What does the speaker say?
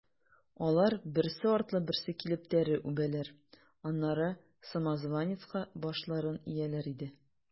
Алар, берсе артлы берсе килеп, тәре үбәләр, аннары самозванецка башларын ияләр иде.